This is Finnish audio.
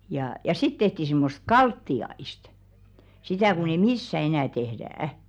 ja ja sitten tehtiin semmoista kaltiaista sitä kun ei missään enää tehdä